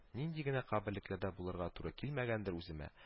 Нинди генә каберлекләрдә булырга туры килмәгәндер үземә